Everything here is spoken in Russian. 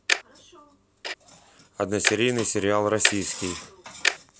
односерийный сериал российский